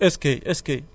eskay eskay